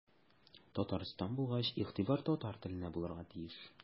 Татарстан булгач игътибар татар теленә булырга тиеш.